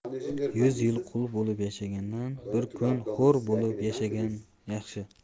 yuz yil qul bo'lib yashagandan bir kun hur bo'lib yashagan yaxshi